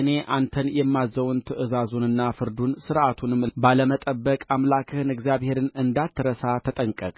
እኔ አንተን የማዝዘውን ትእዛዙንና ፍርዱን ሥርዓቱንም ባለመጠበቅ አምላክህን እግዚአብሔርን እንዳትረሳ ተጠንቀቅ